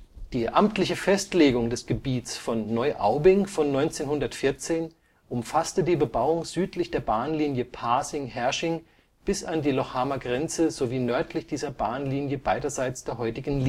Die amtliche Festlegung des Gebiets von Neuaubing von 1914 umfasste die Bebauung südlich der Bahnlinie Pasing-Herrsching bis an die Lochhamer Grenze sowie nördlich dieser Bahnlinie beiderseits der heutigen